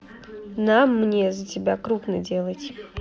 нам мне за тебя крупно делать